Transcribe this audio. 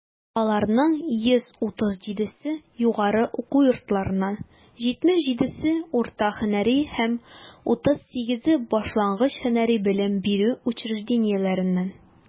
Аларның 137 се - югары уку йортларыннан, 77 - урта һөнәри һәм 38 башлангыч һөнәри белем бирү учреждениеләреннән.